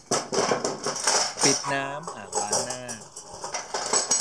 ปิดน้ำอ่างล้างหน้า